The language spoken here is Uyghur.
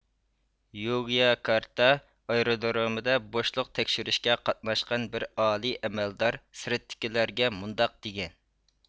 يوگياكارتا ئايرودرومىدا بوشلۇق تەكشۈرۈشكە قاتناشقان بىر ئالىي ئەمەلدار سىرتتىكىلەرگە مۇنداق دېگەن